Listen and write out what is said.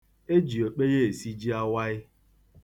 E ji okpei esi ji awaị